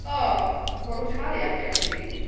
O, ma' nhw'n caru acen fi!